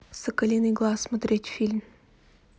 соколиный глаз смотреть фильм